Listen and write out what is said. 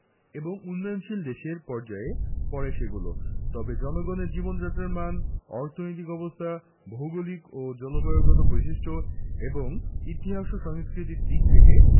এবং উন্নয়নশীল দেশের পর্যায়ে পড়ে সেগুলো তবে জনগণের জীবনযাত্রার মান অর্থনৈতিক অবস্থা ভৌগলিক ও জলবায়ুগত বৈশিষ্ট্য এবং ইতিহাস ও সংস্কৃতির দিক থেকে